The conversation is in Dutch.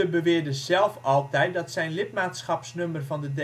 beweerde zelf altijd dat zijn lidmaatschapsnummer van de